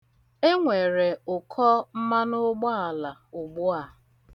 Enwere ụkọ mmanụụgbaala ugbu a.